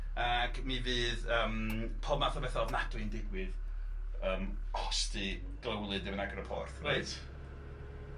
Ac mi fydd yym pob math o betha ofnadwy yn digwydd yym os 'di Glywlyd ddim yn agor y porth. Reit.